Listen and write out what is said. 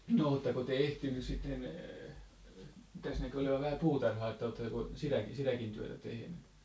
no oletteko te ehtinyt sitten tässä näkyy olevan vähän puutarhaa että oletteko sitäkin sitäkin työtä tehnyt